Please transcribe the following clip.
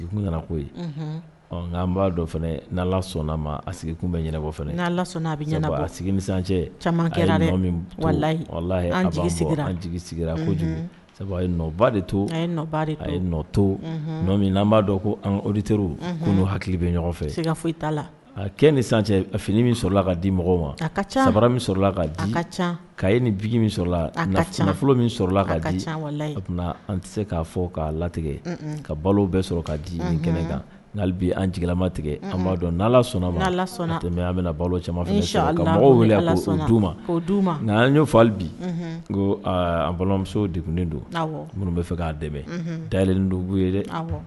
Ɲɛna ko an' ni sɔnna ma a sigi kun bɛ ɲɛnabɔ jigi sabu ye nɔba de to a ye to b' dɔn ko odi kunu hakili bɛ ɲɔgɔn fɛ foyi kɛ ni finila ka di mɔgɔw ma saba ka ca ka ni min c nafolo min sɔrɔla ka di ka an tɛ se k'a fɔ kaa latigɛ ka balo bɛ sɔrɔ ka di kɛnɛ kan' an jigilama tigɛ an b' dɔn ni sɔnna sɔnna an bɛna balo camanma fɛ mɔgɔw weele nka'o fɔ bi ko an balimamuso de kun don minnu bɛ fɛ k'a dɛmɛ da donbu ye dɛ